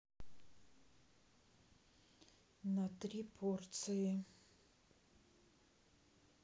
на три порции